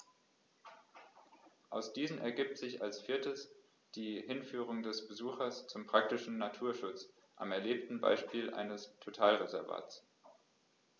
Aus diesen ergibt sich als viertes die Hinführung des Besuchers zum praktischen Naturschutz am erlebten Beispiel eines Totalreservats.